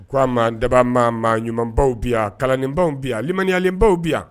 Ko a ma dabama ma ɲumanumabaw bi kalaninbaw bi a limayalenbaw bi